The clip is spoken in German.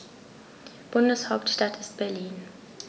Bundeshauptstadt ist Berlin.